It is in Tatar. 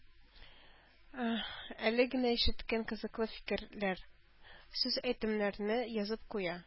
Әле генә ишеткән кызыклы фикерләр, сүз-әйтемнәрне язып куя